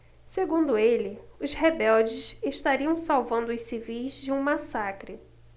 segundo ele os rebeldes estariam salvando os civis de um massacre